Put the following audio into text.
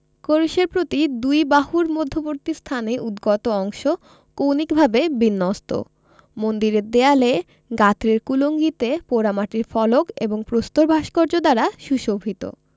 ক্রুশের প্রতি দুই বাহুর মধ্যবর্তী স্থানে উদ্গত অংশ কৌণিকভাবে বিন্যস্ত মন্দিরের দেয়ালে গাত্রের কুলুঙ্গিতে পোড়ামাটির ফলক এবং প্রস্তর ভাস্কর্য দ্বারা সুশোভিত